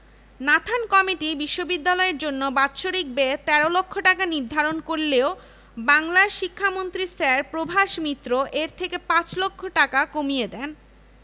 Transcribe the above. Nathan committee বিশ্ববিদ্যালয়ের জন্য বাৎসরিক ব্যয় ১৩ লক্ষ টাকা নির্ধারণ করলেও বাংলার শিক্ষামন্ত্রী স্যার প্রভাস মিত্র এর থেকে পাঁচ লক্ষ টাকা কমিয়ে দেন